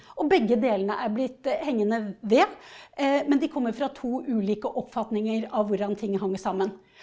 og begge delene er blitt hengende ved, men de kommer fra to ulike oppfatninger av hvordan ting hang sammen.